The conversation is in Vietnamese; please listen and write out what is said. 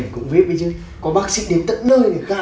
kể cũng víp đấy chứ có bác sĩ đến tận nơi để